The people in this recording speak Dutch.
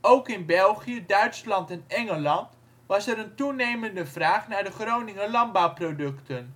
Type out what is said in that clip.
Ook in België, Duitsland en Engeland was er een toenemende vraag naar de Groninger landbouwproducten.